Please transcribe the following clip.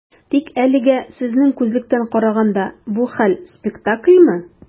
Тик әлегә, сезнең күзлектән караганда, бу хәл - спектакльмы?